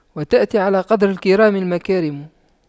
وتأتي على قدر الكرام المكارم